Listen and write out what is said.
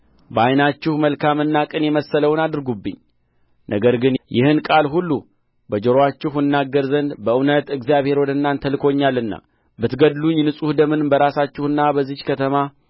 በዓይናችሁ መልካምና ቅን የመሰለውን አድርጉብኝ ነገር ግን ይህን ቃል ሁሉ በጆሮአችሁ እናገር ዘንድ በእውነት እግዚአብሔር ወደ እናንተ ልኮኛልና ብትገድሉኝ ንጹሕ ደምን በራሳችሁና በዚህች ከተማ